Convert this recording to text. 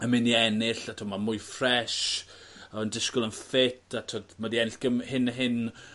yn myn' i ennill a t'o' ma' mwy ffres a ma'n disgwl yn ffit a t'wod ma' 'di ennill gym- hyn a hyn